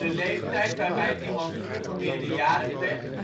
leeftijd waarbij iemand vroeger meerderjarig werd